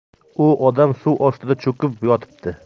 u odam suv ostida cho'kib yotibdi